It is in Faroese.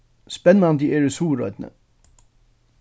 spennandi er í suðuroynni